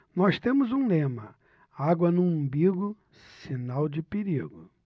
nós temos um lema água no umbigo sinal de perigo